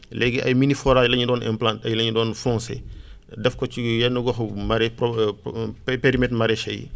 léegi ay mini forage la ñu doon implanter la ñu doon foncer def ko ci yenn goxu marai périmètres maraichers yi